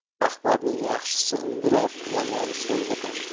rahbarning yaxshisi undirar yomoni so'ldirar